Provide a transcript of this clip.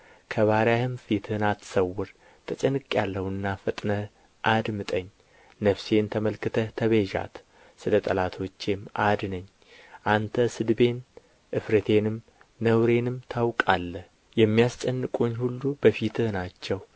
ከባሪያህም ፊትህን አትሰውር ተጨንቄአለሁና ፈጥነህ አድምጠኝ ነፍሴን ተመልክተህ ተቤዣት ስለ ጠላቶቼም አድነኝ አንተ ስድቤን እፍረቴንም ነውሬንም ታውቃለህ የሚያስጨንቁኝ ሁሉ በፊትህ ናቸው